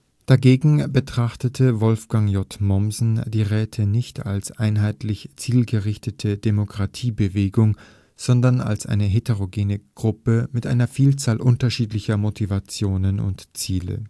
Dagegen betrachtete Wolfgang J. Mommsen die Räte nicht als einheitlich zielgerichtete Demokratiebewegung, sondern als eine heterogene Gruppe mit einer Vielzahl unterschiedlicher Motivationen und Ziele